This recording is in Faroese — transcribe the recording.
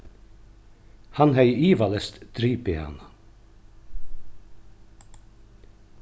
hann hevði ivaleyst dripið hana